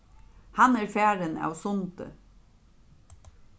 hann er farin av sundi